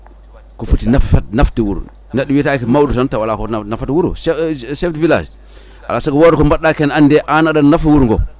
ko foti nafe nafde wuuro neɗɗo wiyetake mawɗo tan tawa ala ko nafata wuuro che chef de village alay saago wooda ko baɗɗa kene ande an aɗa naafa wuuro ngo